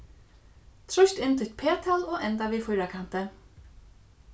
trýst inn títt p-tal og enda við fýrakanti